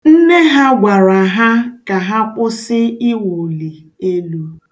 Nne ha gwara ha ka ha kwụsị iwuli elu.